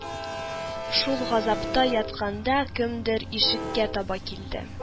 Шул газапта ятканда кемдер ишеккә таба килде